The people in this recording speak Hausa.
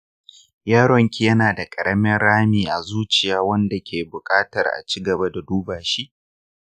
yaronki yana da ƙaramin rami a zuciya wanda ke buƙatar a ci gaba da duba shi.